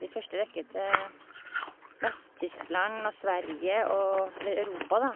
I første rekke til Vest-Tyskland og Sverige og eller Europa, da.